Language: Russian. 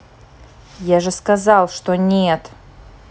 я же сказал что нет